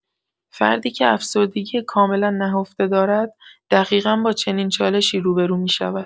فردی که افسردگی کاملا نهفته دارد دقیقا با چنین چالشی روبه‌رو می‌شود.